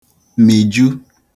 mị̀ju